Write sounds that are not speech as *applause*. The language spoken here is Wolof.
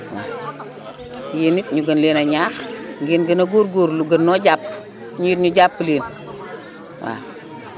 *crosstalk* waaw yéen it ñu gën leen a ñaax ngeen gën a góorgóorlu gën ñoo jàpp ñun it ñu jàpp leen waaw